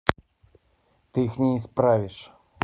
ты их не исправишь